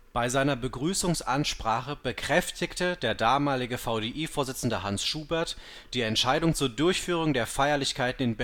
Bei seiner Begrüßungsansprache bekräftige der damalige VDI-Vorsitzende Hans Schuberth die Entscheidung zur Durchführung der Feierlichkeiten